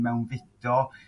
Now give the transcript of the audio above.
mewnfudo